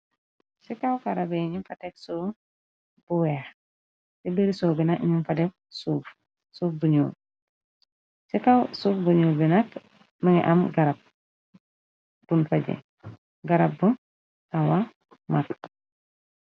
Si kaw farabe ñu fa tek siwo bu weex, ci biir siwo bi nak ñu fadef suuf, suuf bu ñuul, ci kaw suuf buñuul bi nak, mëngi am garab buñ faje, garab bu xawa mag.